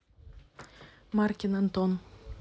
маркин антон